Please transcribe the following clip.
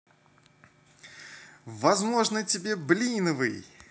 возможно тебе блиновый